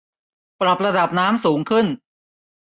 ปรับระดับน้ำสูงขึ้น